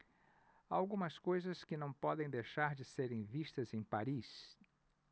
há algumas coisas que não podem deixar de serem vistas em paris